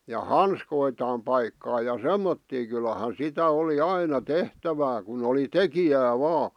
ja hanskojaan paikata ja semmoisia kyllähän sitä oli aina tehtävää kun oli tekijää vain